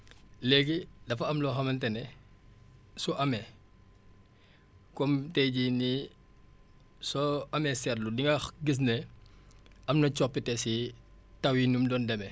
léegi dafa am loo xamante ne su amee comme tey jii nii soo amee seetlu di nga gis ne am na coppite si taw yi nu mu doon demee